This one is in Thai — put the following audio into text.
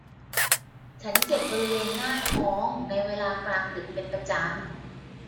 ฉันเจ็บบริเวณหน้าท้องในเวลากลางดึกเป็นประจำ